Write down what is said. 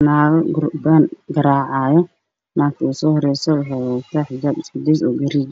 Naago gurban garacayo naagta usohoreyso waxey wadta xijab garijo ah